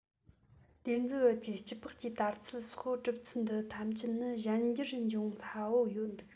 སྡེར མཛུབ བར གྱི སྐྱི པགས ཀྱི དར ཚད སོགས གྲུབ ཚུལ འདི ཐམས ཅད ནི གཞན འགྱུར འབྱུང སླ པོ འདུག